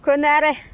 konarɛ